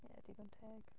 Ie, digon teg.